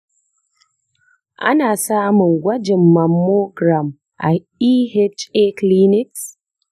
ana samun gwajin mammogram a eha clinics?